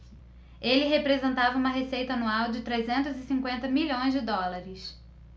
ele representava uma receita anual de trezentos e cinquenta milhões de dólares